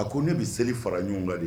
A ko ne bi seli fara ɲɔɔŋa de